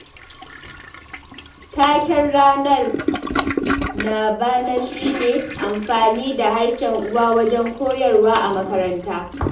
Taken Ranar na bana shi ne amfani da harshen uwa wajen koyarwa a makaranta.